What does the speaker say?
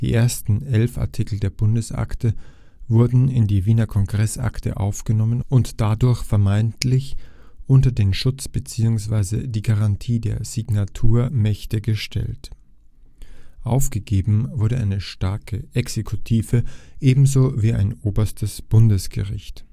ersten elf Artikel der Bundesakte wurden in die Wiener Kongressakte aufgenommen und dadurch vermeintlich unter den Schutz bzw. die Garantie der Signatarmächte gestellt. Aufgegeben wurde eine starke Exekutive ebenso wie ein oberstes Bundesgericht